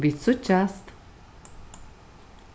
vit síggjast